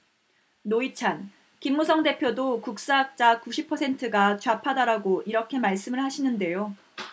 노회찬 김무성 대표도 국사학자 구십 퍼센트가 좌파다라고 이렇게 말씀을 하시는데요